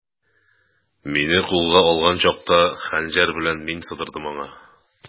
Мине кулга алган чакта, хәнҗәр белән мин сыдырдым аңа.